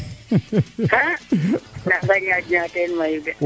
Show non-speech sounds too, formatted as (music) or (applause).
(laughs) ina ñaaƴ na teen mayu de